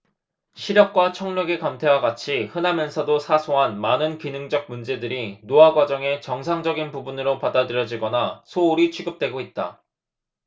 시력과 청력의 감퇴와 같이 흔하면서도 사소한 많은 기능적 문제들이 노화 과정의 정상적인 부분으로 받아들여지거나 소홀히 취급되고 있다